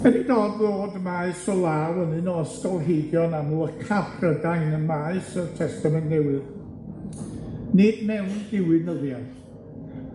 Peri Dodd ddod ym maes o law yn un o ysgolheigion amlycaf Prydain ym maes y Testament Newydd, nid mewn ddiwinyddiaeth.